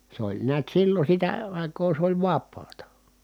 se oli näet silloin sitä aikaa se oli vapaata